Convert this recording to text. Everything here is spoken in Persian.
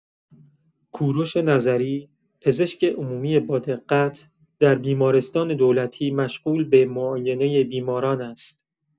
کورش نظری، پزشک عمومی با دقت، در بیمارستان دولتی مشغول به معاینه بیماران است.